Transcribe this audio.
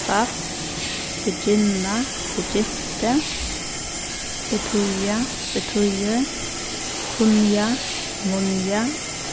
tvass begynna begynti betýða betýðir kunna munna